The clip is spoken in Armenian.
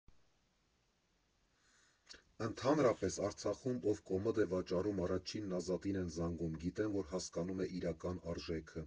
Ընդհանրապես, Արցախում ով կոմոդ է վաճառում, առաջինն Ազատին են զանգում, գիտեն, որ հասկանում է իրական արժեքը։